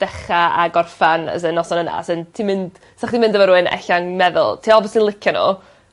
dechra a gorffan as in noson yna as in ti'n mynd... Sdach chi'n mynd efo rywun ella'n meddwl ti obviously licio n'w.